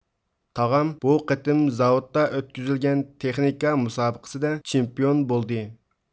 تاغام بۇ قېتىم زاۋۇتتا ئۆتكۈزۈلگەن تېخنىكا مۇسابىقىسىدە چېمپىيون بولدى